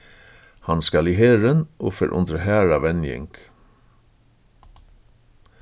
hann skal í herin og fer undir harða venjing